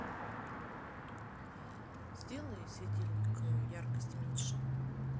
сделай светильник яркость меньше